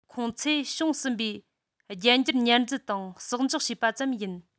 ཁོང ཚོས བྱུང ཟིན པའི རྒྱད འགྱུར ཉར འཛིན དང གསོག འཇོག བྱེད པ ཙམ ཡིན